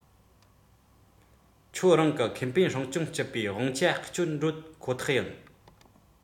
ཀྲུང གོར ཁོ ཐག རེད